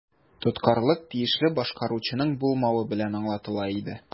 Тоткарлык тиешле башкаручының булмавы белән аңлатыла иде.